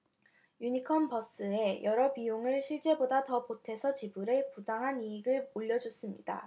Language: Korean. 유니컨버스에 여러 비용을 실제보다 더 보태서 지불해 부당한 이익을 올려줬습니다